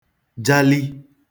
jali